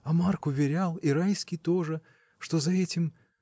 — А Марк уверял, и Райский тоже, что за этим.